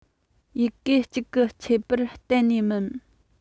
ཡི གེ གཅིག གི ཁྱད པར གཏན ནས མིན